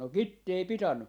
no kitti ei pitänyt